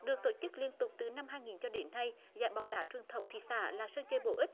được tổ chức liên tục từ năm hai nghìn cho đến nay giải bóng đá truyền thống thị xã là sân chơi bổ ích